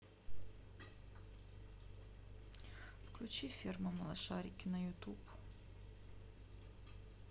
включи ферма малышарики на ютуб